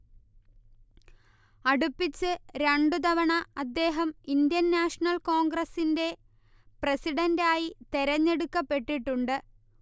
അടുപ്പിച്ച് രണ്ടു തവണ അദ്ദേഹം ഇന്ത്യൻ നാഷണൽ കോൺഗ്രസിന്റെ പ്രസിഡന്റായി തെരഞ്ഞെടുക്കപ്പെട്ടിട്ടുണ്ട്